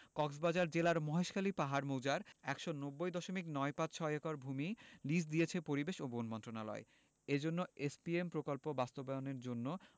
কক্সবাজার জেলার মহেশখালীর পাহাড় মৌজার ১৯০ দশমিক নয় পাঁচ ছয় একর ভূমি লিজ দিয়েছে পরিবেশ ও বন মন্ত্রণালয় এজন্য এসপিএম প্রকল্প বাস্তবায়নের জন্য